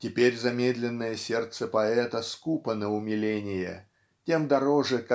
Теперь замедленное сердце поэта скупо на умиление тем дороже